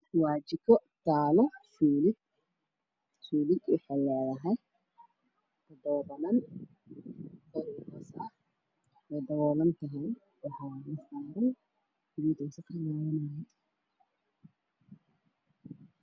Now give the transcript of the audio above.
Waa jiko waxaa yaala kushiin wax lagu karsado midabka waa cadayn waa qaxoow iyo madow